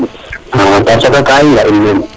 parce que ga i nga in men